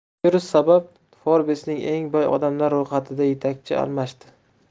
virus sabab forbes'ning eng boy odamlar ro'yxatida yetakchi almashdi